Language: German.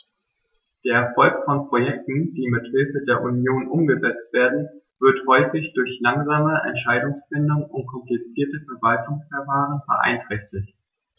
Der Erfolg von Projekten, die mit Hilfe der Union umgesetzt werden, wird häufig durch langsame Entscheidungsfindung und komplizierte Verwaltungsverfahren beeinträchtigt.